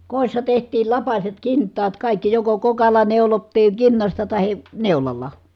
kodissa tehtiin lapaset kintaat kaikki joko kokalla neulottiin kinnasta tai neulalla